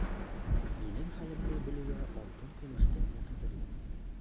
Минем хәлемне белүе алтын-көмештән дә кадерле.